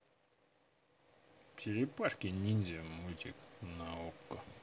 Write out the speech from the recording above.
черепашки ниндзя мультик на окко